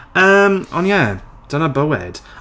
Yym ond ie dyna bywyd.